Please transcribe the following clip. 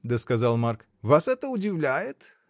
— досказал Марк, — вас это удивляет?